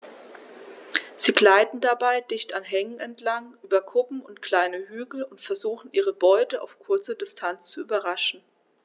Sie gleiten dabei dicht an Hängen entlang, über Kuppen und kleine Hügel und versuchen ihre Beute auf kurze Distanz zu überraschen.